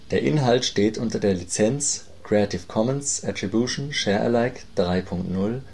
Inhalt steht unter der Lizenz Creative Commons Attribution Share Alike 3 Punkt 0